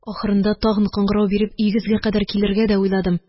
Ахырында тагын кыңгырау биреп, өегезгә кадәр килергә дә уйладым